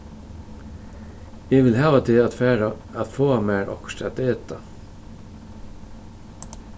eg vil hava teg at fara at fáa mær okkurt at eta